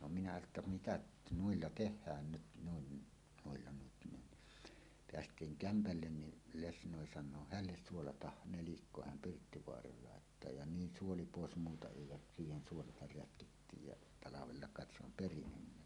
no minä että mitä noilla tehdään nyt noin niillä nyt niin päästiin kämpälle niin lesnoi sanoo hänelle suolataan nelikko hän Pirttivaaraan laittaa ja niin suoli pois muuta ei ja siihen suolaa rätkittiin ja talvella kai se on perinyt ne